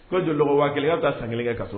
Ko jɔlɔ waa kelen ka ta sankɛ ka so